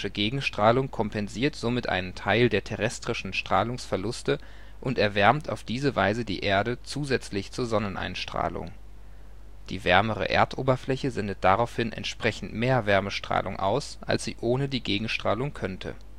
Gegenstrahlung kompensiert somit einen Teil der terrestrischen Strahlungsverluste und erwärmt auf diese Weise die Erde zusätzlich zur Sonneneinstrahlung. Die wärmere Erdoberfläche sendet daraufhin entsprechend mehr Wärmestrahlung aus, als sie ohne die Gegenstrahlung könnte. Dieser Prozess der